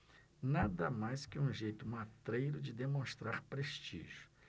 nada mais que um jeito matreiro de demonstrar prestígio